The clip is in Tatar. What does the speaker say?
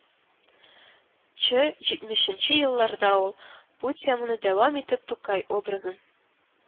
Чы-җитмешенче елларында ул, бу теманы дәвам итеп, тукай образын